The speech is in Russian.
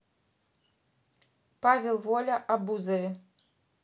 павел воля о бузове